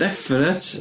Definite.